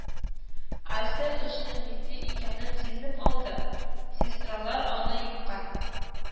Ася эшнең нидә икәнен сизеп алды (сестралар аны юкка